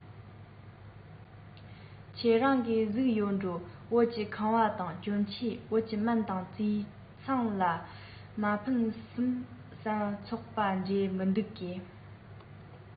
ཁྱེད རང གིས གཟིགས ཡོད འགྲོ བོད ཀྱི ཁང པ དང གྱོན ཆས བོད ཀྱི སྨན དང རྩིས ཚང མ ཕུན སུམ ཚོགས པོ འདྲས མི འདུག གས